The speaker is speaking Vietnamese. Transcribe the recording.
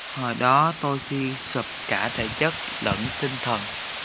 hồi đó tôi suy sụp cả thể chất lẫn tinh thần